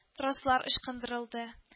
Трослар ычкындырылды